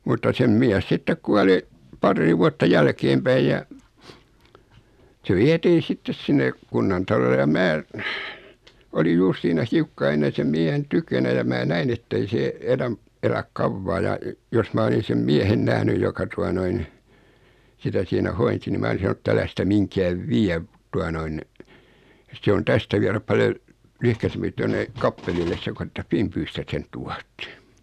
mutta sen mies sitten kuoli paria vuotta jälkeenpäin ja se vietiin sitten sinne kunnantalolle ja minä olin juuri siinä hiukkaa ennen sen miehen tykönä ja minä näin että ei se elä elä kauaa ja jos minä olisin sen miehen nähnyt joka tuota noin sitä siinä hoiti niin minä olisin sanonut että älä sitä mihinkään vie tuota noin se on tästä viedä paljon - lyhkäisempi tuonne kappelille se kuin että Finbystä sen tuotte